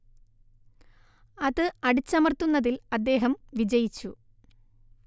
അത് അടിച്ചമർത്തുന്നതിൽ അദ്ദേഹം വിജയിച്ചു